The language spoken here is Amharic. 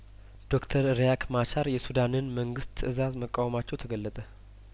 ዶክተር ሪያክ ማቻር የሱዳንን መንግስት ትእዛዝ መቃወማቸው ተገለጠ